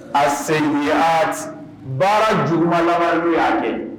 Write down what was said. baara juguman laban nu ya kɛ